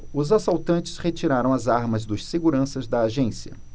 os assaltantes retiraram as armas dos seguranças da agência